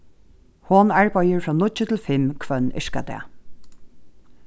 hon arbeiðir frá níggju til fimm hvønn yrkadag